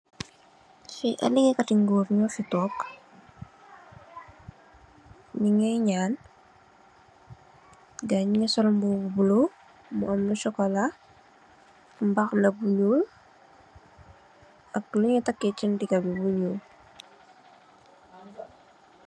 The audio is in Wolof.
Fii ay liggeeykati ngur nyu fi toog, nyingi nyaan, gayi nyingi sol ay yire yu bula, mu am lu sokola, mbaxana bu nyuul, ak lu nyu takk si ndigg bi bu nyuul.